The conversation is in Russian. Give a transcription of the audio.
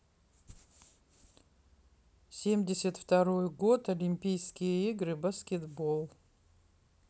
семьдесят второй год олимпийские игры баскетбол